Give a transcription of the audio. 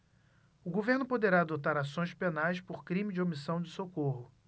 o governo poderá adotar ações penais por crime de omissão de socorro